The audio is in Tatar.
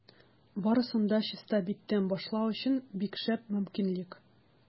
Барысын да чиста биттән башлау өчен бик шәп мөмкинлек.